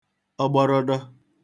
ọgbọrọdọ